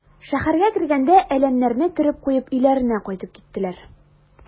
Шәһәргә кергәндә әләмнәрне төреп куеп өйләренә кайтып киттеләр.